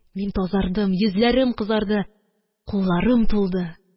Мин тазардым. Йөзләрем кызарды. Кулларым тулды.